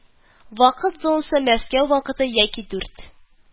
Вакыт зонасы Мәскәү вакыты яки дүрт